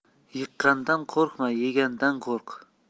yiqqandan qo'rqma yegandan qo'rq